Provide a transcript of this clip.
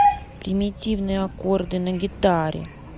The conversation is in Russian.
примитивные аккорды на гитаре